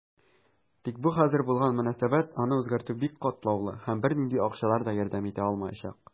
Тик бу хәзер булган мөнәсәбәт, аны үзгәртү бик катлаулы, һәм бернинди акчалар да ярдәм итә алмаячак.